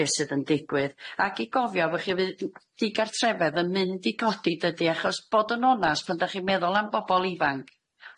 beth sydd yn digwydd ac i gofio bo' chi fydd n- digartrefedd yn mynd i godi dydi achos bod yn onast pan dach chi'n meddwl am bobol ifanc,